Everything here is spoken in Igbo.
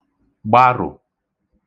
gbarụ̀